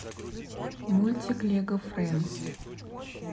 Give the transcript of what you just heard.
мультик лего френдс